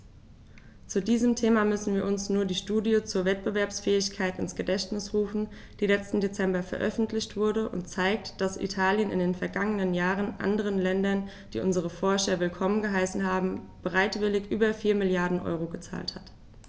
Zu diesem Thema müssen wir uns nur die Studie zur Wettbewerbsfähigkeit ins Gedächtnis rufen, die letzten Dezember veröffentlicht wurde und zeigt, dass Italien in den vergangenen Jahren anderen Ländern, die unsere Forscher willkommen geheißen haben, bereitwillig über 4 Mrd. EUR gezahlt hat.